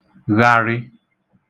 -gharị